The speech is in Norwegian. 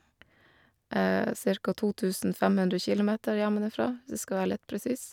Cirka to tusen fem hundre kilometer hjemmefra, hvis vi skal være litt presis.